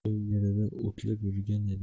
bu yerida o'tlab yurgan edi